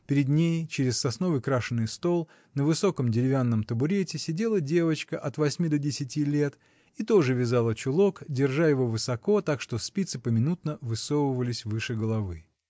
Перед ней, через сосновый крашеный стол, на высоком деревянном табурете сидела девочка от восьми до десяти лет и тоже вязала чулок, держа его высоко, так что спицы поминутно высовывались выше головы.